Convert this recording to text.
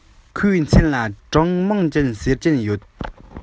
ཁོའི མཚན ལ ཀྲང མིང ཅུན ཟེར གྱི ཡོད